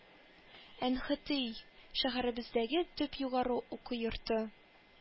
– энхытыи– шәһәребездәге төп югары уку йорты,